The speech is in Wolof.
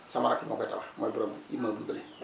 sama rakk moo koy tabax mooy borom immeuble bële